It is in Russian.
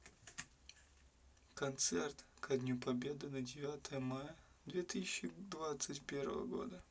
концерт ко дню победы на девятое мая две тысячи двадцать первого года